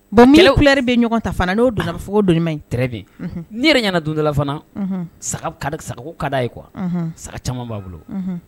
Bon kelenre bɛ ɲɔgɔn ta fana n'o danraugu dɔnni bɛ n'i yɛrɛ ɲɛna dondalafana saga sagako kada ye kuwa saga caman b'a bolo